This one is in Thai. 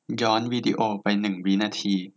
ย้อนวีดีโอไปหนึ่งวินาที